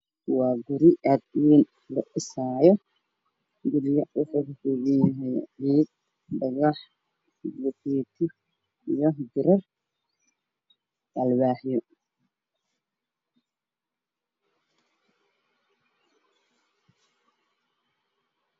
Waxaa ii muuqda guri la dhisaayo waxaana dhisayo niman ka fara badan hoosna waxaa lagu xirayaa alwaaxyo iyo biro